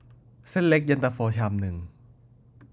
เส้นเล็กเย็นตาโฟชามนึง